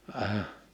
-